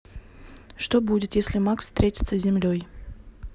что будет если макс встретится с землей